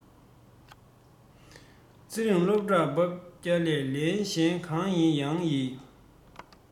ཚེ རིང སློབ གྲྭར འབ བརྒྱ ལས གཞན གང ཞིག ཡང ཡི